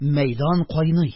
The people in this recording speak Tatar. Мәйдан кайный!